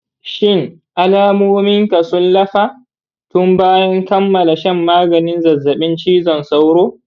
shin alamominka sun lafa tun bayan kammala shan maganin zazzaɓin cizon sauro